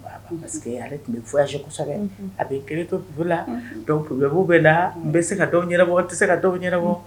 Parceseke ale tun bɛ fse kosɛbɛ a bɛ ke to la bɛ la n bɛ se ka dɔw yɛrɛbɔ a tɛ se ka dɔw yɛrɛbɔ